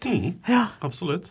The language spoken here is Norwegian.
ja absolutt.